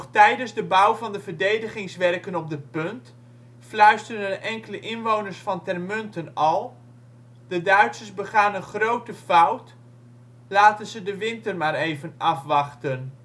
tijdens de bouw van de verdedigingswerken op de Punt fluisterden enkele inwoners van Termunten al: " de Duitsers begaan een grote fout, laten ze de winter maar even afwachten